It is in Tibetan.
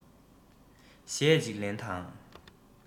གཞས གཅིག ལེན དང